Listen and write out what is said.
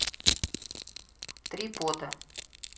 три пота